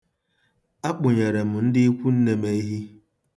Akpụnyere m ndị ikwunne m ehi.